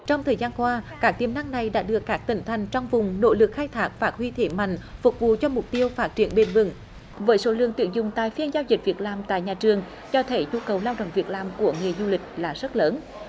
trong thời gian qua các tiềm năng này đã được các tỉnh thành trong vùng nỗ lực khai thác phát huy thế mạnh phục vụ cho mục tiêu phát triển bền vững với số lượng tuyển dụng tại phiên giao dịch việc làm tại nhà trường cho thấy nhu cầu lao động việc làm của người du lịch là rất lớn